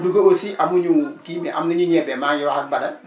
Louga aussi amuñu kii mais am nañu ñebe maa ngi wax ak Bada